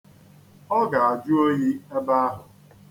Ọ ga-ajụ oyi ebe ahụ.